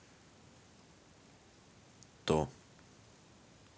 то